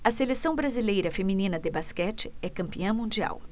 a seleção brasileira feminina de basquete é campeã mundial